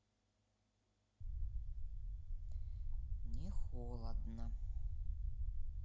не холодное